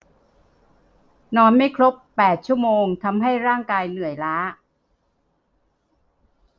นอนไม่ครบแปดชั่วโมงทำให้ร่างกายเหนื่อยล้า